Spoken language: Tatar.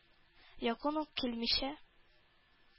Якын ук килмичә